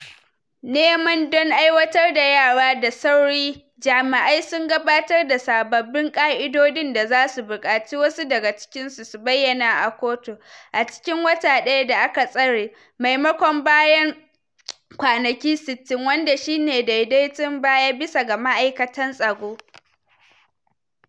Nema don aiwatar da yara da sauri, jami'ai sun gabatar da sababbin ka'idodin da zasu bukaci wasu daga cikinsu su bayyana a kotu a cikin wata daya da aka tsare, maimakon bayan kwanaki 60, wanda shi ne daidaitattun baya, bisa ga ma'aikatan tsaro.